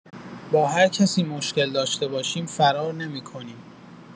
با هرکسی مشکل داشته باشیم فرار نمی‌کنیم!